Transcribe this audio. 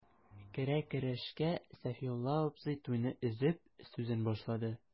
Керә-керешкә Сафиулла абзый, туйны өзеп, сүзен башлады.